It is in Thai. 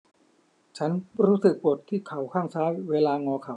ฉันรู้สึกปวดที่เข่าข้างซ้ายเวลางอเข่า